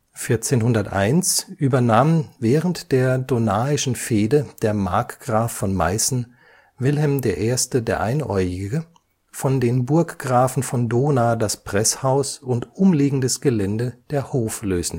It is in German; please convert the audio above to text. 1401 übernahm während der Dohnaischen Fehde der Markgraf von Meißen, Wilhelm I. der Einäugige, von den Burggrafen von Dohna das Presshaus und umliegendes Gelände der Hoflößnitz